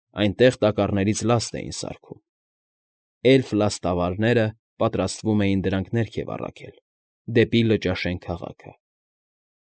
Այնտեղ տակառներից լաստ էին սարքում, էլֆ լաստավարները պատրաստվում էին դրանք ներքև առաքել, դեպի Լճաշեն քաղաքը։